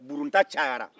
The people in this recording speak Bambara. burunta cayara